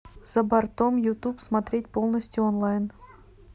за бортом ютуб смотреть полностью онлайн